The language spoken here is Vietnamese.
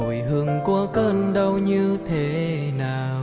mùi hương của cơn đau như thế nào